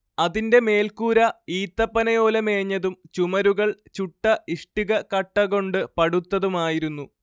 അതിന്റെ മേൽക്കൂര ഈത്തപ്പനയോല മേഞ്ഞതും ചുമരുകൾ ചുട്ട ഇഷ്ടിക കട്ട കൊണ്ട് പടുത്തതുമായിരുന്നു